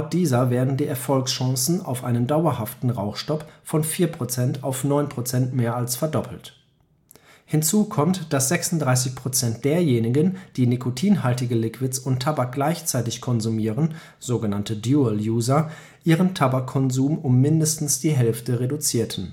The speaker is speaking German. dieser werden die Erfolgschancen auf einen dauerhaften Rauchtstopp von 4 % auf 9 % mehr als verdoppelt. Hinzu kommt, dass 36 % derjenigen die nikotinhaltige Liquids und Tabak gleichzeitig konsumieren (sogenannte „ Dual-User “) ihren Tabakkonsum um mindestens die Hälfte reduzierten